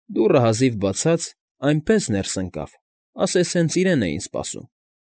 Դուռը հազիվ բացած, այնպես ներս ընկավ, ասես հենց իրեն էին սպասում։